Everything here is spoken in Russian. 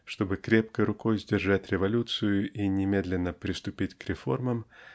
чтобы крепкой рукой сдержать революцию и немедленно приступить к реформам